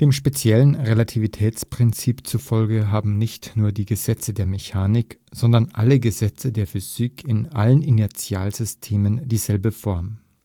speziellen Relativitätsprinzip zufolge haben nicht nur die Gesetze der Mechanik, sondern alle Gesetze der Physik in allen Inertialsystemen dieselbe Form